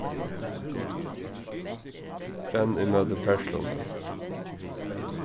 renn ímóti ferðsluni